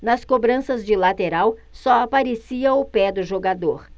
nas cobranças de lateral só aparecia o pé do jogador